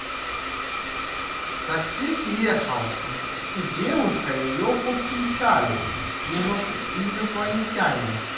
такси съехал с девушкой ее похищали инопланетяне